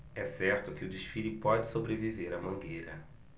é certo que o desfile pode sobreviver à mangueira